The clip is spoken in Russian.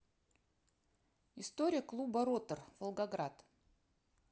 история клуба ротор волгоград